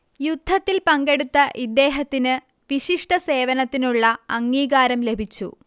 യുദ്ധത്തിൽ പങ്കെടുത്ത ഇദ്ദേഹത്തിന് വിശിഷ്ട സേവനത്തിനുള്ള അംഗീകാരം ലഭിച്ചു